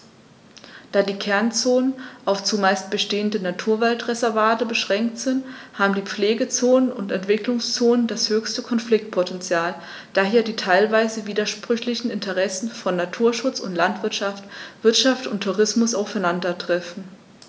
Da die Kernzonen auf – zumeist bestehende – Naturwaldreservate beschränkt sind, haben die Pflegezonen und Entwicklungszonen das höchste Konfliktpotential, da hier die teilweise widersprüchlichen Interessen von Naturschutz und Landwirtschaft, Wirtschaft und Tourismus aufeinandertreffen.